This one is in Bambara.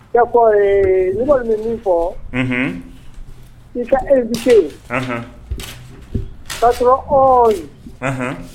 _ d'accord nkoni bɛ min fɔ, unhun. l ka invité 91 ,ɛnhɛn